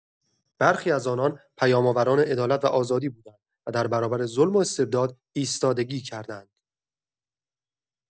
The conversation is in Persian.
برخی از آنان پیام‌آوران عدالت و آزادی بوده‌اند و در برابر ظلم و استبداد ایستادگی کرده‌اند.